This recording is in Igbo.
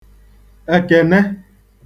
èkène